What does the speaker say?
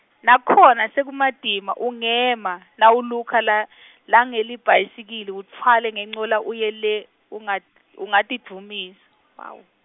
nakhona sekumatima ungema, nawulukha la, langelibhayisikili utfwale ngencola uye le, unga- ungatidvumisa wow-.